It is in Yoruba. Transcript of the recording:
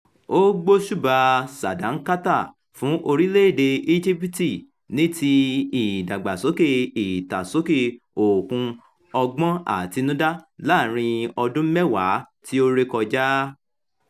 Ó gbóṣùbàa sàńdákátà fún orílẹ̀-èdèe Egypt ní ti “ìdàgbàsókèe ìtàsókè òkun ọgbọ́n àtinudá láàárín ọdún mẹ́wàá tí ó ré kọjá".